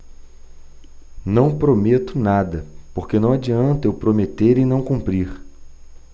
não prometo nada porque não adianta eu prometer e não cumprir